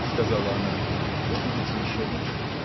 — сказала она, — вы будете еще лучше.